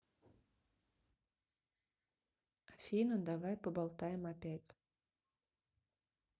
афина давай поболтаем опять